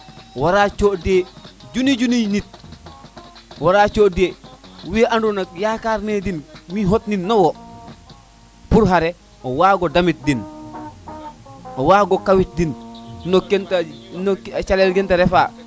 wara cote cuni cuni nit wara co te we ando yakar ne den wi xoni na wo pour xare o wago damit den wago kawid din no ken no ken calel den te refa